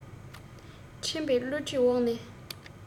འཕྲིན པས བསླུ བྲིད འོག ནས